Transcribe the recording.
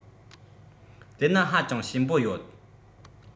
དེ ནི ཧ ཅང ཞན པོ ཡོད